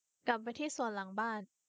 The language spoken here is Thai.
กลับไปที่สวนหลังบ้าน